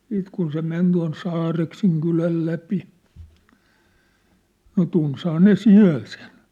sitten kun se meni tuon Saareksen kylän läpi no tunsihan ne siellä sen